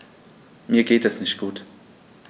Mir geht es nicht gut.